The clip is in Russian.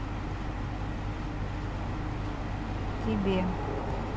к тебе